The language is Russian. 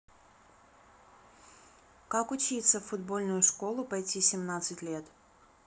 как учиться в футбольную школу пойти семнадцать лет